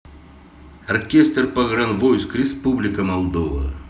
оркестр погран войск республика молдова